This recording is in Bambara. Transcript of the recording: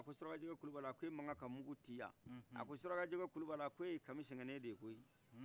ko surakajɛkɛ kulubali ak' e mankan ka mugu ci yan a ko surakajɛkɛ kulibali e ye kami sɛngɛne de ye koyi